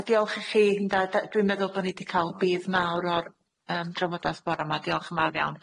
A diolch i chi ynde da- dwi'n meddwl bo' ni di ca'l budd mawr o'r yym trafodaeth bora ma' diolch yn fawr iawn.